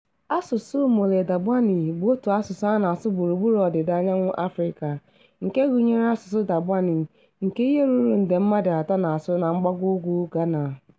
Asụsụ Mole-Dagbani bụ òtù asụsụ a na-asụ gburugburu Ọdịdaanyanwụ Afrịka nke gụnyere asụsụ Dagbani nke ihe ruru nde mmadụ atọ na-asụ na mgbagougwu Ghana.